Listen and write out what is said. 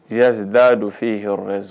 Jaasida don f yen hɔrɔn sɔrɔ